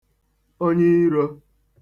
onyeirō